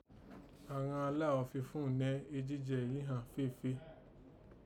Àghan alághọ̀ fifun nẹ́ ejíjẹ yìí ghàn féfè